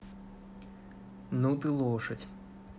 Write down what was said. ну ты лошадь